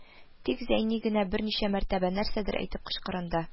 Тик Зәйни генә берничә мәртәбә нәрсәдер әйтеп кычкырынды